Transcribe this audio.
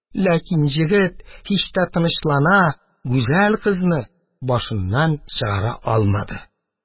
Ләкин егет һич тә тынычлана, гүзәл кызны башыннан чыгара алмады.